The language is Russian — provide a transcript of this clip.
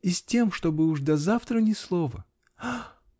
И с тем, чтобы уж до завтра ни слова?. Ах!.